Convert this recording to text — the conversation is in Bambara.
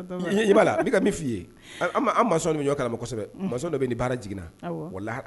La a bɛ ka min f fɔ i ye ma karamɔgɔsɛbɛ masa dɔ bɛ baara jiginna la